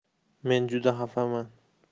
men juda xafaman